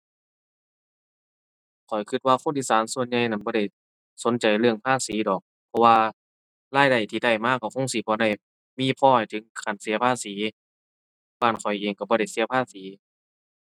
ข้อยคิดว่าคนอีสานส่วนใหญ่นั้นบ่ได้สนใจเรื่องภาษีดอก เพราะว่ารายได้ที่ได้มาคิดคงสิบ่ได้มีพอให้ถึงขั้นเสียภาษี บ้านข้อยเองคิดบ่ได้เสียภาษี